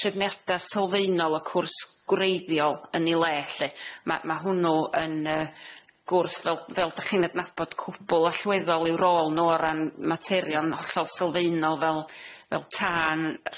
trefniada sylfaenol y cwrs gwreiddiol yn ei le lly, ma' ma' hwnnw yn yy gwrs fel fel dych chi'n adnabod cwbwl allweddol i'w rôl nw o ran materion hollol sylfaenol fel fel tân,